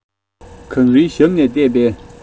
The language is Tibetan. གངས རིའི ཞབས ནས ལྟས པས